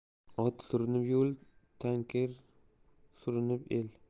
ot surinib yo'l tank er surinib el